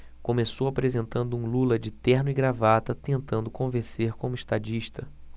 começou apresentando um lula de terno e gravata tentando convencer como estadista